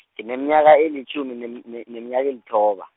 ngineminyaka elitjhumi, nem- ne, neminyaka elithoba.